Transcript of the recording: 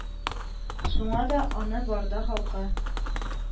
Шуңа да аны Барда халкы